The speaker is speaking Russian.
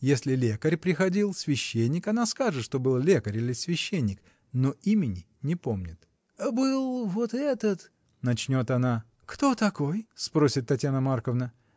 Если лекарь приходил, священник, она скажет, что был лекарь или священник, но имени не помнит. — Был вот этот. — начнет она. — Кто такой? — спросит Татьяна Марковна.